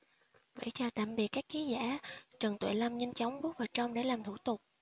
vẫy chào tạm biệt các ký giả trần tuệ lâm nhanh chóng bước vào trong để làm thủ tục